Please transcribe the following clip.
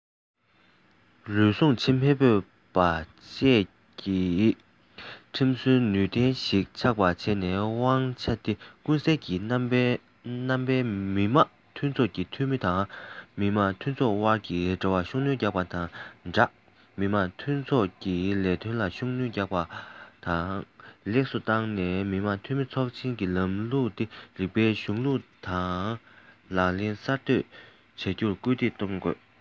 རུལ སུངས བྱེད མི ཕོད པ བཅས ཀྱི ལམ སྲོལ ནུས ལྡན ཞིག ཆགས པར བྱས ནས དབང ཆ དེ ཀུན གསལ གྱི རྣམ པའི མི དམངས འཐུས ཚོགས ཀྱི འཐུས མི དང མི དམངས མང ཚོགས དབར གྱི འབྲེལ བར ཤུགས སྣོན རྒྱག པ དང སྦྲགས མི དམངས འཐུས ཚོགས ཀྱི ལས དོན ལ ཤུགས སྣོན རྒྱག པ དང ལེགས སུ བཏང ནས མི དམངས འཐུས མི ཚོགས ཆེན ལམ ལུགས ཀྱི རིགས པའི གཞུང ལུགས དང ལག ལེན གསར གཏོད བྱ རྒྱུར སྐུལ འདེད གཏོང དགོས